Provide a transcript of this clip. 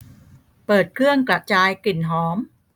เปิดเครื่องกระจายกลิ่นหอม